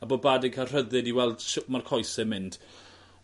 a bo' Barde'n ca'l rhyddid i weld shwt ma'r coese'n mynd .